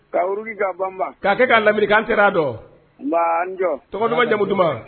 Ka wuridi ka banba kakɛ ka laminikan kɛra dɔ nbaa njɔ tɔgɔ duman jamu duman